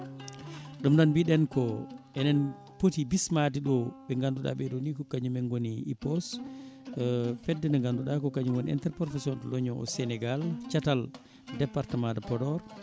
ɗum noon mbiɗen ko enen pooti bismade ɗo ɓe ganduɗa ɓeeɗo ni ko kañumen gooni IPOS fedde nde ganduɗa ko kañum woni interprofession de l' oignon au sénégal caatal département de Podor